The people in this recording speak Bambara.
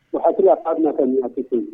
U hakili k'a bɛna kɛ min ye a tɛ k'o ye